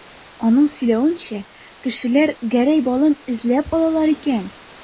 Аның сөйләвенчә, кешеләр Гәрәй балын эзләп алалар икән.